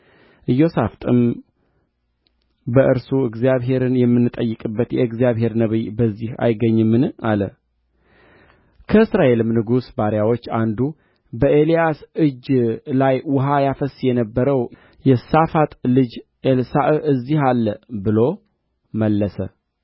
ለሠራዊቱና ለተከተሉአቸውም እንስሶች ውኃ አልተገኘም የእስራኤልም ንጉሥ ወዮ እግዚአብሔር በሞዓብ እጅ አሳልፎ ይሰጣቸው ዘንድ እነዚህን ሦስቱን ነገሥታት ጠርቶአልና ወዮ አለ